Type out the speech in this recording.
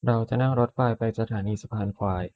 เราจะนั่งรถไฟไปสถานีสะพานควาย